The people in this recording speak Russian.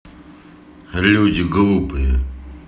люди глупые